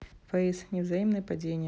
face невзаимное падение